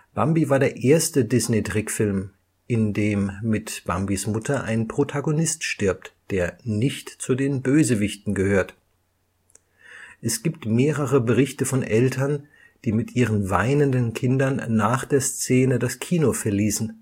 Bambi war der erste Disney-Trickfilm, in dem mit Bambis Mutter ein Protagonist stirbt, der nicht zu den Bösewichten gehört. Es gibt mehrere Berichte von Eltern, die mit ihren weinenden Kindern nach der Szene das Kino verließen